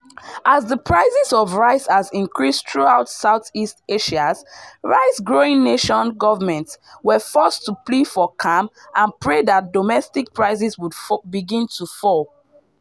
As the price of rice has increased throughout Southeast Asia’s rice growing nations, governments were forced to plea for calm and pray that domestic prices would soon begin to fall.